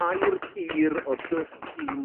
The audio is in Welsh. Aur pur o dwll tîn...